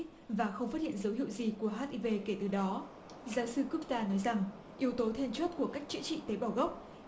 và không phát hiện dấu hiệu gì của hắt i vê kể từ đó giáo sư cúp ta nói rằng yếu tố then chốt của cách chữa trị tế bào gốc